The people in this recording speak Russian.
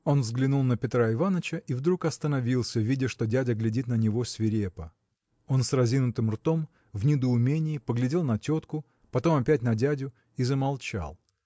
Он взглянул на Петра Иваныча и вдруг остановился видя что дядя глядит на него свирепо. Он с разинутым ртом в недоумении поглядел на тетку потом опять на дядю и замолчал.